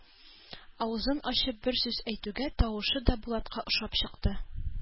Авызын ачып бер сүз әйтүгә тавышы да Булатка ошап чыкты.